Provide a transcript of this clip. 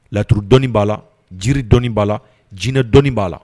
Laturu dɔnni ba la , jiri dɔnni ba la, jinɛ dɔni ba la.